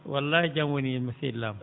wallay jam woni e am seydi Lam